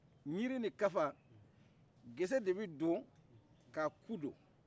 niri ni kafa gese de bɛ don ka ku don